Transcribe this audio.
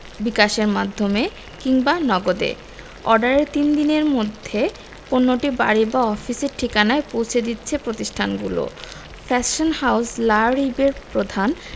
বিকাশের মাধ্যমে কিংবা নগদে অর্ডারের তিন দিনের মধ্যে পণ্যটি বাড়ি বা অফিসের ঠিকানায় পৌঁছে দিচ্ছে প্রতিষ্ঠানগুলো ফ্যাশন হাউস লা রিবের প্রধান